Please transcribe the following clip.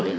i